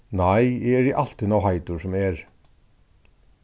nei eg eri altíð nóg heitur sum er